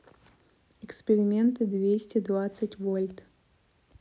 эксперименты двести двадцать вольт